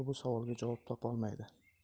bu savolga javob topolmaydi